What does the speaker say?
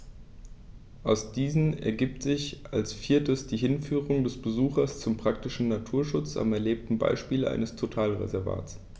Aus diesen ergibt sich als viertes die Hinführung des Besuchers zum praktischen Naturschutz am erlebten Beispiel eines Totalreservats.